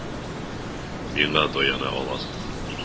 Миңа таяна аласың.